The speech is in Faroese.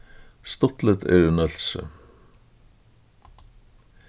stuttligt er í nólsoy